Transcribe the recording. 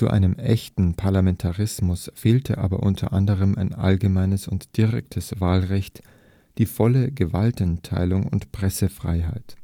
einem echten Parlamentarismus fehlte unter anderem ein allgemeines und direktes Wahlrecht, die volle Gewaltenteilung und Pressefreiheit